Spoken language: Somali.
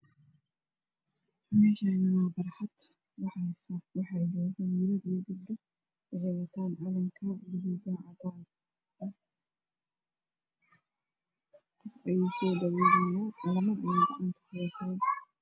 Meeshaan waa barxad waxaa jooga wiilal iyo gabdho waxay wataan calanka baluuga cadaan ah ayuu soo dhawaynayaa camaamad ayu gacanta ku wataa.